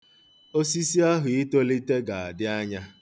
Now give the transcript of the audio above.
Osisi ahụ itolite ga-adị anya.